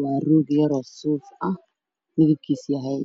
Waa roog yar oo suuf ah mideb kiisu yahay